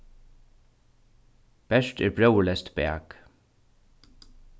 bert er bróðurleyst bak